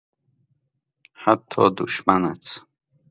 حتی دشمنت